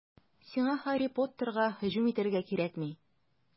Сиңа Һарри Поттерга һөҗүм итәргә кирәкми.